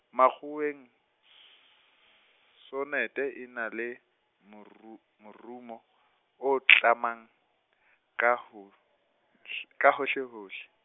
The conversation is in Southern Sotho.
makgoweng, s- sonete e na le, moru- morumo, o tlamang, ka ho hl-, ka hohle hohle.